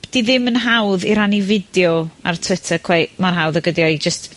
'di ddim yn hawdd i rannu fideo ar Twitter cweit mor hawdd ag ydi o i jyst